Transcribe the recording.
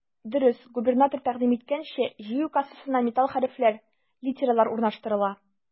Дөрес, Гутенберг тәкъдим иткәнчә, җыю кассасына металл хәрефләр — литералар урнаштырыла.